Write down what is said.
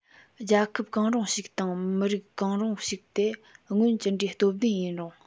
རྒྱལ ཁབ གང རུང ཞིག དང མི རིགས གང རུང ཞིག དེ སྔོན ཅི འདྲའི སྟོབས ལྡན ཡིན རུང